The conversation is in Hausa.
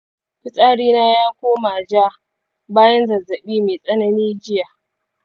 fitsari na ya koma ja bayan zazzaɓi mai tsanani jiya.